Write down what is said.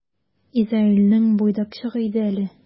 Изаилнең буйдак чагы иде әле.